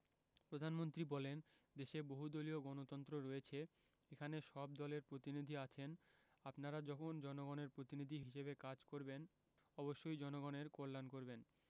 প্রধানমন্ত্রী বলেন দেশে বহুদলীয় গণতন্ত্র রয়েছে এখানে সব দলের প্রতিনিধি আছেন আপনারা যখন জনগণের প্রতিনিধি হিসেবে কাজ করবেন অবশ্যই জনগণের কল্যাণ করবেন